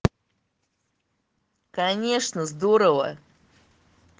конечно здорово